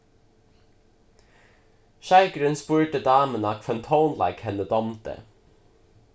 sjeikurin spurdi damuna hvønn tónleik henni dámdi